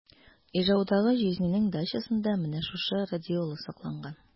Ижаудагы җизнинең дачасында менә шушы радиола сакланган.